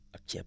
ak ceeb